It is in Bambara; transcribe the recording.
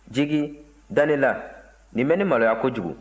jigi da ne la nin bɛ ne maloya kojugu